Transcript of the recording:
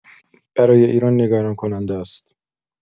برای ایران نگران‌کننده است.